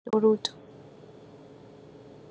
درود.